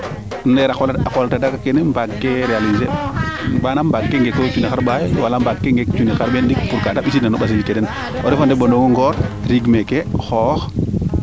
ndeera a qoola tadaka keene mbaage njal manaam mbaag ke ngeekoyo tig ka mot na junni xarɓaxay wala ngeek cunni xarɓeen ndik pour kaade mbisiid na no mbasil ke den o ref o neɓanong o ngoor riig meeke xoox